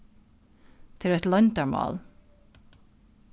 tað er eitt loyndarmál